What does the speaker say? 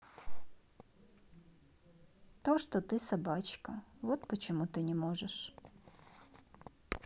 то что ты собачка вот почему ты не можешь